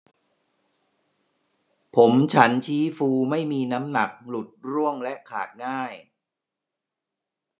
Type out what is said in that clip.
ผมฉันชี้ฟูไม่มีน้ำหนักหลุดร่วงและขาดง่าย